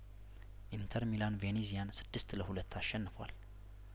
ኢንተር ሚላን ቬኔዚያን ስድስት ለሁለት አሸንፏል